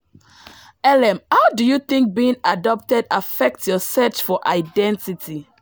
LM: How do you think being adopted affects your search for identity?